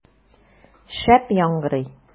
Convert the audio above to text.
Шәп яңгырый!